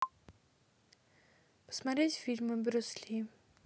посмотреть фильмы брюс ли